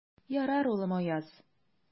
Ярар, улым, Аяз.